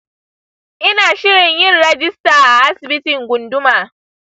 ina shirin yin rajista a asibitin gunduma.